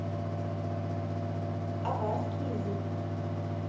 аварский язык